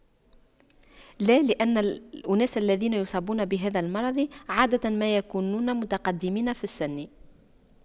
لا لأن الأناس الذين يصابون بهذا المرض عادة ما يكونون متقدمين في السن